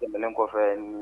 Kɔfɛ